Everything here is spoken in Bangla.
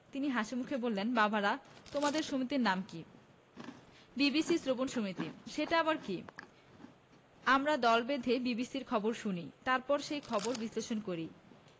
তিনি হাসিমুখে বললেন বাবারা তােমাদের সমিতির নাম কি বিবিসি শ্রবণ সমিতি সেটা আবার কি আমরা দল বেঁধে বিবিসির খবর শুনি তারপর সেই খবর বিশ্লেষণ করি